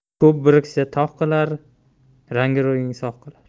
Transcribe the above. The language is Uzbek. ko'p biriksa tog' qular